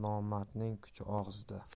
nomardning kuchi og'zida